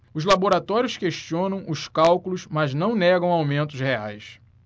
os laboratórios questionam os cálculos mas não negam aumentos reais